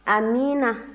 amiina